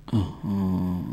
H